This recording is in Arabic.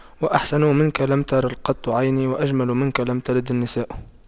وأحسن منك لم تر قط عيني وأجمل منك لم تلد النساء